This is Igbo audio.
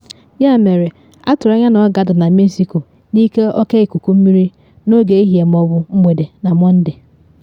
Ya mere, atụrụ anya na ọ ga-ada na Mexico n’ike oke ikuku mmiri n’oge ehihie ma ọ bụ mgbede na Mọnde.